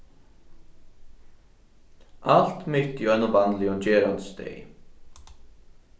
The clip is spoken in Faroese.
alt mitt í einum vanligum gerandisdegi